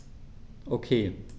Okay.